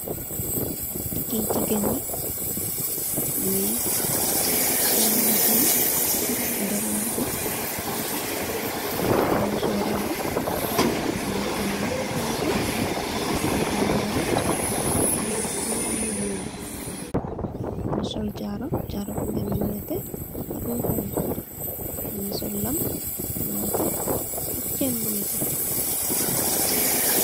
Ki jigéen la, mungi sol mbasin garambubu takka musóor ram bi, mungi am lu honku, mungi am lu vert, mungi am lu ñuul, mungi sol jaaro, jaaro bi mungi ameh lu nètè ak lu honku, mungi sol lam bu nètè ak chenn bu nètè.